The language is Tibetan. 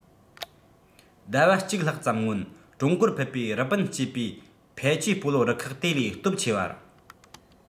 ཟླ བ གཅིག ལྷག ཙམ སྔོན ཀྲུང གོར ཕེབས པའི རི པིན སྐྱེས པའི ཕའེ ཆིའུ སྤོ ལོ རུ ཁག དེ ལས སྟོབས ཆེ བར